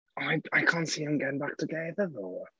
I can't see them getting back together though.